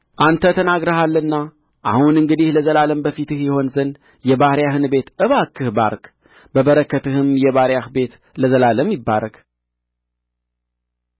አንተ ተናግረሃልና አሁን እንግዲህ ለዘላለም በፊትህ ይሆን ዘንድ የባሪያህን ቤት እባክህ ባርክ በበረከትህም የባሪያህ ቤት ለዘላለም ይባረክ